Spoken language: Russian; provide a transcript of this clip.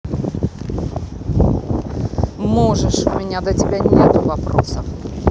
можешь у меня до тебя нету вопросов